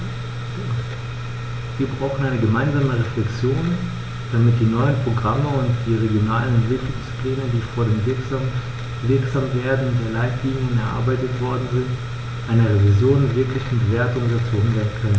Wir brauchen eine gemeinsame Reflexion, damit die neuen Programme und die regionalen Entwicklungspläne, die vor dem Wirksamwerden der Leitlinien erarbeitet worden sind, einer Revision und wirklichen Bewertung unterzogen werden können.